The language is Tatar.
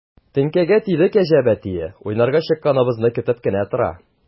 Теңкәгә тиде кәҗә бәтие, уйнарга чыкканыбызны көтеп кенә тора.